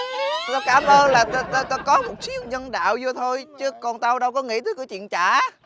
tao cám ơn là tao tao tao có một xíu nhân đạo dô thôi chứ còn tao đâu có nghĩ tới cái chuyện trả